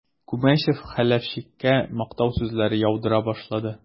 Күмәчев Хәләфчиккә мактау сүзләре яудыра башлады.